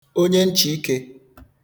onye nchị̀ikē